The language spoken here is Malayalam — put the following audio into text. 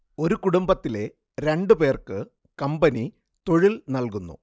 ഒരു കുടുംബത്തിലെ രണ്ട് പേർക്ക് കമ്പനി തൊഴിൽ നൽകുന്നു